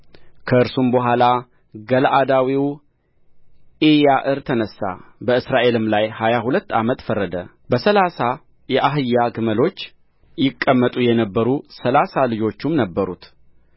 ከእርሱም በኋላ ገለዓዳዊው ኢያዕር ተነሣ በእስራኤልም ላይ ሀያ ሁለት ዓመት ፈረደ በሠላሳ የአህያ ግልገሎች ይቀመጡ የነበሩ ሠላሳ ልጆችም ነበሩት